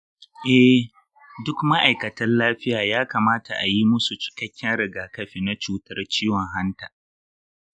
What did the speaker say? eh, duk ma'aikatan lafiya ya kamata a yi musu cikakken rigakafi na cutar ciwon hanta.